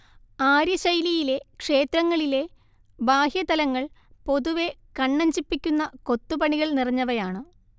ആര്യശൈലിയിലെ ക്ഷേത്രങ്ങളിലെ ബാഹ്യതലങ്ങൾ പൊതുവെ കണ്ണഞ്ചിപ്പിക്കുന്ന കൊത്തുപണികൾ നിറഞ്ഞവയാണ്